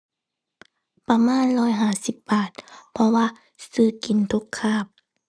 ประมาณร้อยห้าสิบบาท เพราะว่าซื้อกินทุกคาบ